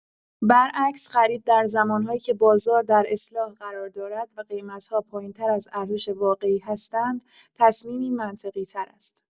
برعکس، خرید در زمان‌هایی که بازار در اصلاح قرار دارد و قیمت‌ها پایین‌تر از ارزش واقعی هستند، تصمیمی منطقی‌تر است.